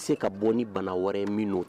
N bɛ se ka bɔ ni bana wɛrɛ ye min'o